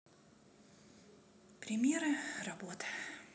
примеры работ